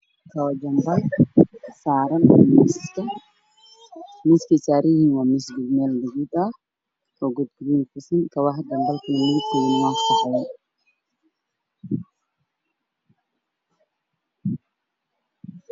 Kabojambal miissaaran miiskaysaaranyihiin